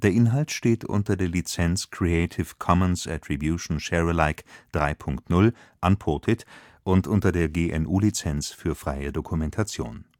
Inhalt steht unter der Lizenz Creative Commons Attribution Share Alike 3 Punkt 0 Unported und unter der GNU Lizenz für freie Dokumentation